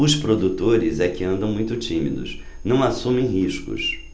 os produtores é que andam muito tímidos não assumem riscos